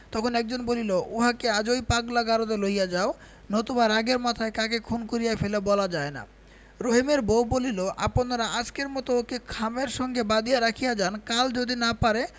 তখন একজন বলিল উহাকে আজই পাগলা গারদে লইয়া যাও নতুবা রাগের মাথায় কাকে খুন করিয়া ফেলে বলা যায় না রহিমের বউ বলিল আপনারা আজকের মতো ওকে খামের সঙ্গে বাঁধিয়া রাখিয়া যান কাল যদি না পারে